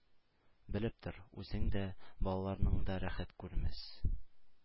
Белеп тор: үзең дә, балаларың да рәхәт күрмәс...“